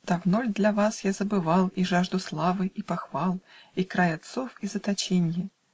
Давно ль для вас я забывал И жажду славы и похвал, И край отцов, и заточенье?